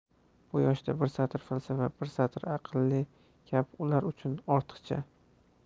bu yoshda bir satr falsafa bir satr aqlli gap ular uchun ortiqcha